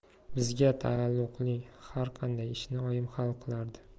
bizga taalluqli har qanday ishni oyim hal qilardi